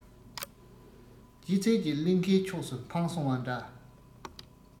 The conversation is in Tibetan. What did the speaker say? སྐྱེད ཚལ གྱི གླིང གའི ཕྱོགས སུ འཕངས སོང བ འདྲ